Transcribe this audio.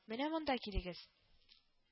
Менә монда килегез